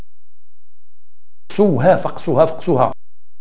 هيفاء وهبي